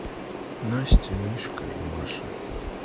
настя мишка и маша